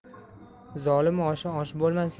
zolim oshi osh bo'lmas